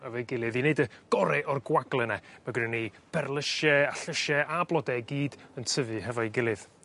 efo'i gilydd i neud y gorau o'r gwagle 'na. Ma' gynnon ni berlysie a llysie a blode i gyd yn tyfu hefo'i gilydd.